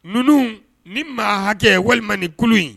Ninnu ni maa hakɛ walima ni tulo in